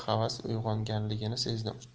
havas uyg'onganligini sezdim